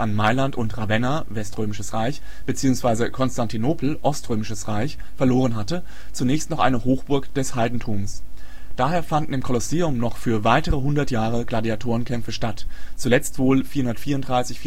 Mailand und Ravenna (Weströmisches Reich) beziehungsweise Konstantinopel (Oströmisches Reich) verloren hatte, zunächst noch eine Hochburg des Heidentums. Daher fanden im Kolosseum noch für weitere hundert Jahre Gladiatorenkämpfe statt, zuletzt wohl 434/435